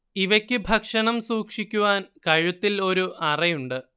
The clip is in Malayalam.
ഇവയ്ക്ക് ഭക്ഷണം സൂക്ഷിക്കുവാന്‍ കഴുത്തിൽ ഒരു അറയുണ്ട്